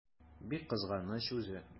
Бик кызганыч үзе!